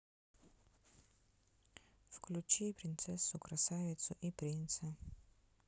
включи принцессу красавицу и принца